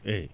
eeyi